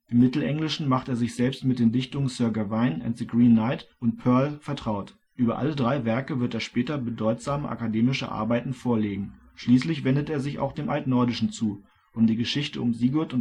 Mittelenglischen macht er sich selbst mit den Dichtungen Sir Gawain and the Green Knight und Pearl vertraut. Über alle drei Werke wird er später bedeutsame akademische Arbeiten vorlegen. Schließlich wendet er sich auch dem Altnordischen zu, um die Geschichte um Sigurd